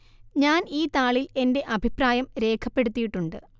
ഞാന്‍ ഈ താളില്‍ എന്റെ അഭിപ്രായം രേഖപ്പെടുത്തിയിട്ടുണ്ട്